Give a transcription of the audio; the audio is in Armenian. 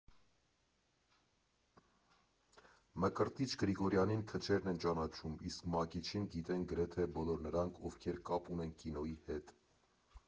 Մկրտիչ Գրիգորյանին քչերն են ճանաչում, իսկ Մակիչին գիտեն գրեթե բոլոր նրանք, ովքեր կապ ունեն կինոյի հետ։